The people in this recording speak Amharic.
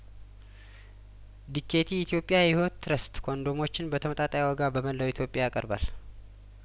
ዲኬቲ ኢትዮጵያ የህይወት ትረስት ኮንዶሞችን በተመጣጣኝ ዋጋ በመላው ኢትዮጵያ ያቀርባል